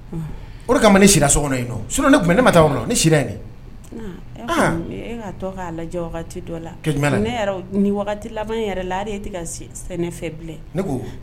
O ka ne sira so ne tun ne ma taa ne e toa lajɛ wagati dɔ la ni wagati yɛrɛ la ale tɛ ka sɛnɛ nefɛ bilen